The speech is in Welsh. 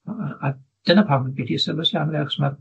a a a dyna pam fi 'di sylwes i arno fe, achos ma'r